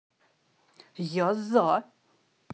я за